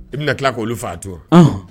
I bɛna tila k' olu faa to